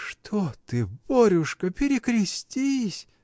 — Что ты, Борюшка, перекрестись!